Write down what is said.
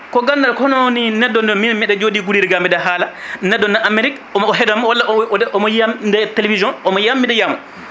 ko gandal hono ni neɗɗo meɗe jooɗi Goudiry ga biɗe haala neɗɗo ne Amérique omo heeɗo walla omo omo yiyami nde télévision omo yiyami mbiɗo yiyamo